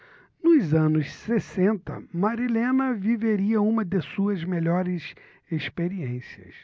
nos anos sessenta marilena viveria uma de suas melhores experiências